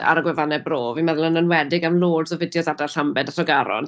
Ar y gwefannau Bro, fi'n meddwl yn enwedig am loads o fideos ardal Llambed a Tregaron.